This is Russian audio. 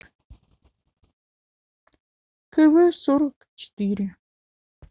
кв сорок четыре